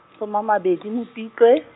soma a mabedi Mopitlwe.